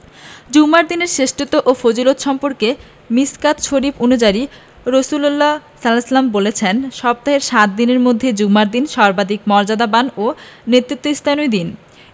জুমার দিনের শ্রেষ্ঠত্ব ও ফজিলত সম্পর্কে মিশকাত শরিফ অনুযায়ী রাসুলুল্লাহ সা বলেছেন সপ্তাহের সাত দিনের মধ্যে জুমার দিন সর্বাধিক মর্যাদাবান ও নেতৃত্বস্থানীয় দিন